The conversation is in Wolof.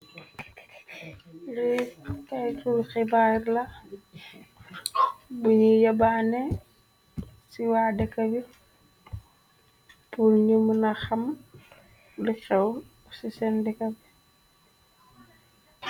Li kaytul xibaar la buñuy yebaane ci waa dëkka bi pul nu mëna xam luxew ci sen dekka bi.